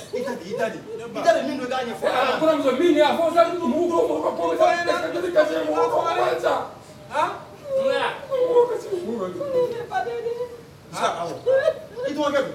Iji sa i